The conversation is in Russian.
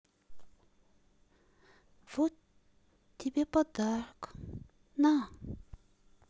вот тебе подарок на